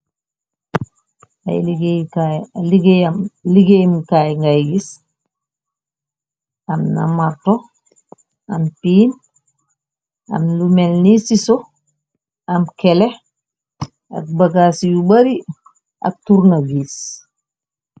Liggéeymkaay ngay gis, am na marto , am piin , am lu melni ciso , am kelex ak bagaas yu bari ak truniwiss.